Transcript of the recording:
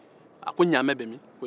a ko ɲaamɛ bɛ min